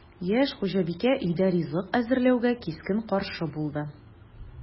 Яшь хуҗабикә өйдә ризык әзерләүгә кискен каршы булды: